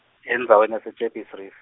endzaweni yase Jeppes Reef.